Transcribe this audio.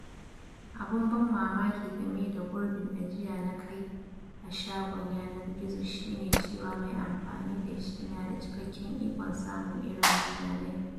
Abun ban mamaki game da gurbin ajiya na kai a shagon yanar gizo shi ne cewa mai amfani da shi na da cikakken ikon samun irin bayanai.